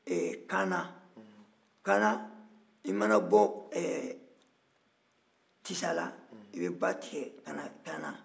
ɛɛ kana i mana bɔ tisala i bɛ ba tigɛ ka na kana